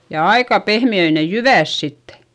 ja aika pehmeitä ne jyvät sitten